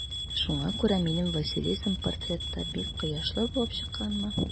Шуңа күрә минем Василисам портретта бик кояшлы булып чыкканмы?